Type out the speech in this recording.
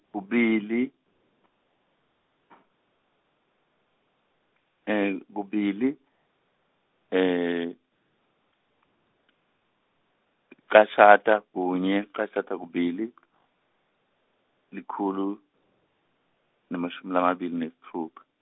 kubili, kubili, licashata, kunye, licashata, kubili , likhulu, nemashumi lamabili nesitfupha.